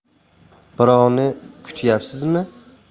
birovni kutyapsizmi